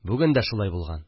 Бүген дә шулай булган